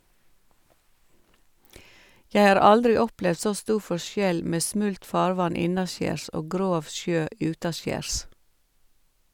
Jeg har aldri opplevd så stor forskjell med smult farvann innaskjærs og grov sjø utaskjærs.